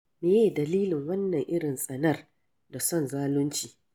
Me ye dalilin wannan irin tsanar da son zalunci?